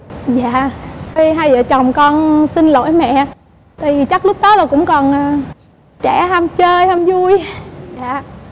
dạ hai vợ chồng con xin lỗi mẹ tại vì chắc lúc đó là cũng còn trẻ ham chơi ham vui dạ